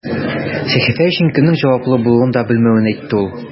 Сәхифә өчен кемнең җаваплы булуын да белмәвен әйтте ул.